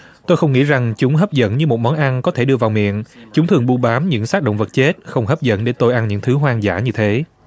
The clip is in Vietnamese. tôi không nghĩ rằng chúng hấp dẫn như một món ăn có thể đưa vào miệng chúng thường bu bám những xác động vật chết không hấp dẫn để tôi ăn những thứ hoang dã như thế